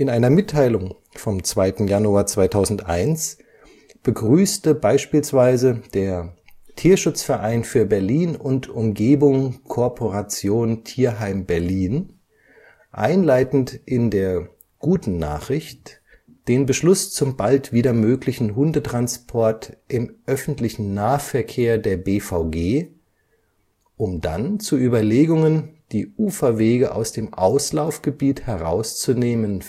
einer Mitteilung vom 2. Januar 2001 begrüßte beispielsweise der „ Tierschutzverein für Berlin und Umgebung Corporation Tierheim Berlin “einleitend in der „ guten Nachricht “den Beschluss zum bald wieder möglichen Hundetransport im öffentlichen Nahverkehr der BVG, um dann zu Überlegungen, die Uferwege aus dem Auslaufgebiet herauszunehmen